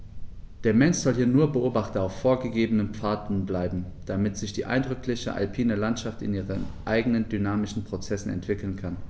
Der Mensch soll hier nur Beobachter auf vorgegebenen Pfaden bleiben, damit sich die eindrückliche alpine Landschaft in ihren eigenen dynamischen Prozessen entwickeln kann.